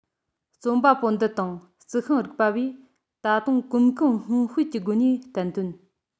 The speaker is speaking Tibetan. རྩོམ པ པོ འདི དང རྩི ཤིང རིག པ བས ད དུང གོམ གང སྔོན སྤོས ཀྱི སྒོ ནས བསྟན དོན